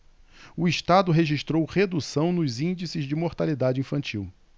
o estado registrou redução nos índices de mortalidade infantil